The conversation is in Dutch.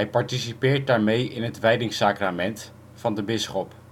participeert daarmee in het wijdingssacramant van de bisschop